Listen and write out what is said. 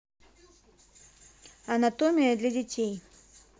анатомия для детей